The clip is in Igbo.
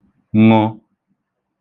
ṅụ